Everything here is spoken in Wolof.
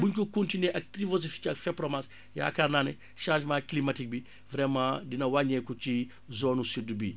bu ñu ko continuer ak Trivosificher ak FEPROMAS yaakaar naa ne changement climatique bi vraiment dina wàññeeku ci zone nu sud bi